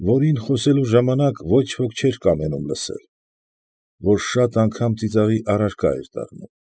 Որին խոսելու ժամանակ ոչ ոք չէր կամենում լսել, որ շատ անգամ ծիծաղի առարկա էր դառնում։